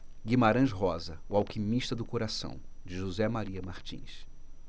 guimarães rosa o alquimista do coração de josé maria martins